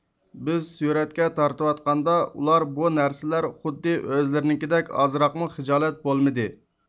بىز سۈرەتكە تارتىۋاتقاندا ئۇلار بۇ نەرسىلەر خۇددى ئۆزلىرىنىڭكىدەك ئازراقمۇ خىجالەت بولمىدى